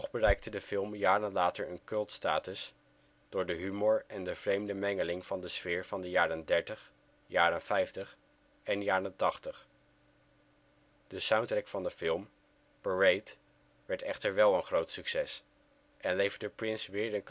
bereikte de film jaren later een cultstatus, door de humor en de vreemde mengeling van de sfeer van de jaren dertig, jaren vijftig en jaren tachtig. De soundtrack van de film, Parade (maart 1986) werd echter wel een groot succes en leverde Prince weer